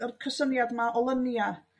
yr cysyniad ma' o lunia'